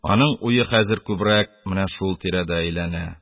Аның уе хәзер күбрәк менә шул тирәдә әйләнә.